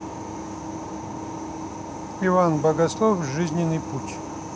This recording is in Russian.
иван богослов жизненный путь